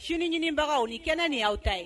Su ɲinibagaw ni kɛnɛ nin aw ta ye